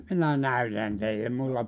minä näytän teille minulla